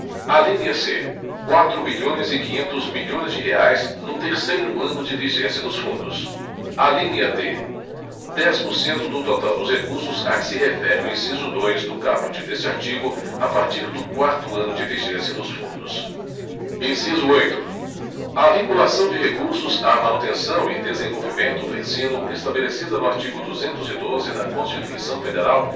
alínea c reais quatrocentos e cinquenta bilhões quatro bilhões e quinhentos milhões de reais no terceiro ano de vigência dos fundos alínea d dez por cento do total dos recursos a que se refere o inciso dois do caput deste artigo a partir do quarto ano de vigência dos fundos inciso oito a vinculação de recursos à manutenção e desenvolvimento do ensino estabelecida no artigo duzentos e doze da constituição federal